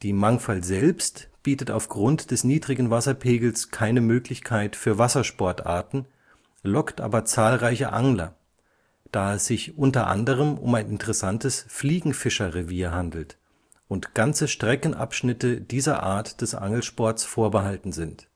Mangfall selbst bietet aufgrund des niedrigen Wasserpegels keine Möglichkeit für Wassersportarten, lockt aber zahlreiche Angler, da es sich unter anderem um ein interessantes „ Fliegenfischer-Revier “handelt, und ganze Streckenabschnitte dieser Art des Angelsports vorbehalten sind